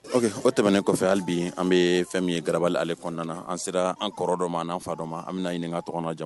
Ɔ o tɛmɛnen kɔfɛ hali bi an bɛ fɛn min ye gabali ale kɔnɔna na an sera an kɔrɔ dɔ maan faa dɔn ma an bɛna na ɲininka kɔnɔ jan